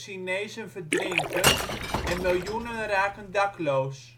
Chinezen verdrinken en miljoenen raken dakloos